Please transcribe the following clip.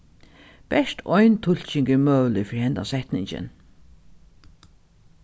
bert ein tulking er møgulig fyri henda setningin